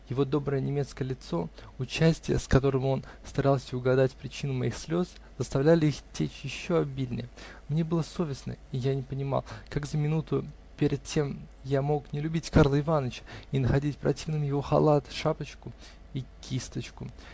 Его доброе немецкое лицо, участие, с которым он старался угадать причину моих слез, заставляли их течь еще обильнее: мне было совестно, и я не понимал, как за минуту перед тем я мог не любить Карла Иваныча и находить противными его халат, шапочку и кисточку